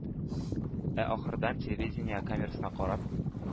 Ә ахырда телевидение камерасына карап,